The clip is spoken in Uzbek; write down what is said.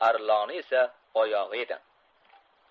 arloni esa oyog'i edi